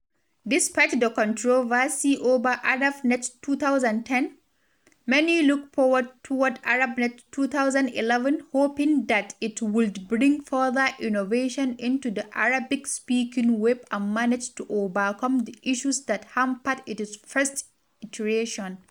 Despite the controversy over ArabNet 2010, many look forward toward ArabNet 2011 hoping that it would bring further innovation into the Arabic-speaking web and manage to overcome the issues that hampered its first iteration.